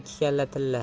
ikki kalla tilla